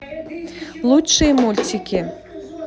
лучшие мультики